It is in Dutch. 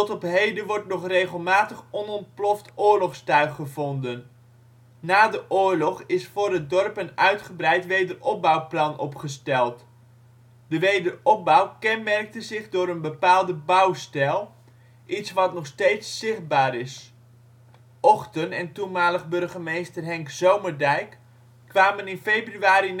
op heden wordt nog regelmatig onontploft oorlogstuig gevonden. Na de oorlog is voor het dorp een uitgebreid wederopbouwplan opgesteld. De wederopbouw kenmerkte zich door een bepaalde bouwstijl, iets wat nog steeds zichtbaar is. Ochten en toenmalig burgemeester Henk Zomerdijk kwamen in februari